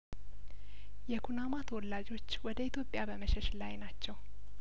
የኩናማ ተወላጆች ወደ ኢትዮጵያበመሸሽ ላይ ናቸው